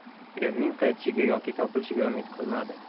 erining qaytishiga yoki topilishiga umid qilmadi